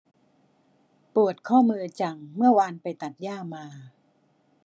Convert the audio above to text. ปวดข้อมือจังเมื่อวานไปตัดหญ้ามา